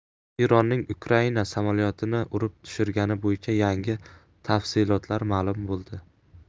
eronning ukraina samolyotini urib tushirgani bo'yicha yangi tafsilotlar ma'lum bo'ldi